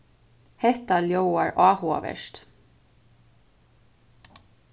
hetta ljóðar áhugavert